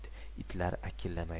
itlar akillamaydi